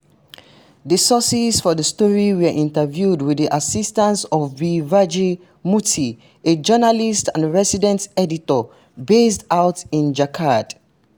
The sources for the story were interviewed with the assistance of B. Vijay Murty, a journalist and resident editor based out of Jharkhand.